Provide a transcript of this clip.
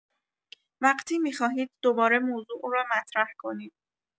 وقتی می‌خواهید دوباره موضوع را مطرح کنید.